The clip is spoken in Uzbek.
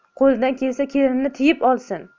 qo'lidan kelsa kelinini tiyib olsin